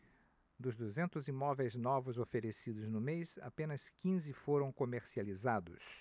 dos duzentos imóveis novos oferecidos no mês apenas quinze foram comercializados